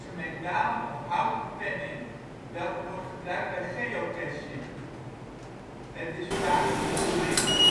metalen of houten penning welke gebruikt wordt bij Geocaching. Het is (vaak) de bedoeling